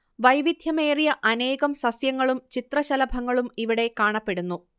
വൈവിദ്ധ്യമേറിയ അനേകം സസ്യങ്ങളും ചിത്രശലഭങ്ങളും ഇവിടെ കാണപ്പെടുന്നു